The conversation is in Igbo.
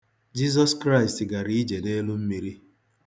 Jizọs Kraịst gara ije n'elu mmiri.